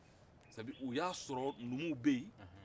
u y'a sɔrɔ numuw numuw bɛ yen